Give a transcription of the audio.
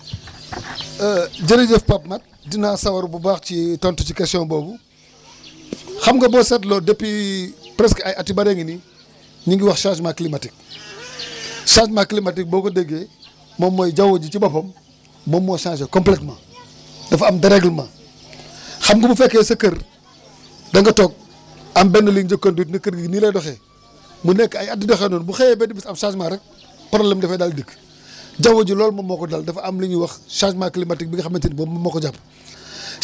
jërëjëf Pape Mat dinaa sawar bu baax ci tontu ci question boobu xam nga boo seetloo depuis presque ay at yu bëree ngi nii ñu ngi wax changement climatique changement climatique boo ko déggee moom mooy jaww ji ci boppam moom moo changé complètement dafa am déréglement xam nga bu fekkee sa kërb da nga toog am benn ligne de conduite ne kër gi nii lay doxee mu nekk ay at di doxee noonu bu xëyee benn bés am changement rek problème dafay daal di dikk jaww ji loolu moom moo ko dal dafa am lu ñuy wax changement climatique bi nga xamante ne bi moom moo ko jàpp